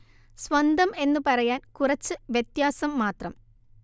സ്വന്തം എന്നു പറയാന്‍ കുറച്ച് വ്യത്യാസം മാത്രം